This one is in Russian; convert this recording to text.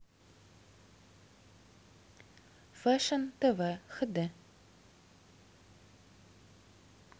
фэшн тв хд